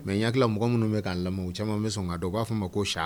Mais n hakili la mɔgɔ minnu bɛ k'a lamɛn o caman bɛ sɔn k'a don u b'a fɔ ma ko sa